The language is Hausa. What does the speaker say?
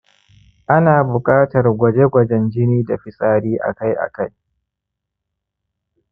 ana buƙatar gwaje-gwajen jini da fitsari akai-akai